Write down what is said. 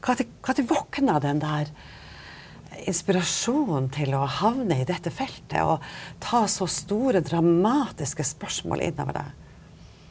hvilken tid hvilken tid våkna den der inspirasjonen til å havne i dette feltet og ta så store dramatiske spørsmål innover deg?